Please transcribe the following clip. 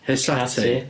Hesate.